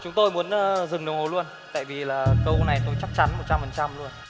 chúng tôi muốn ơ dừng đồng hồ luôn tại vì là câu này tôi chắc chắn một trăm phần trăm luôn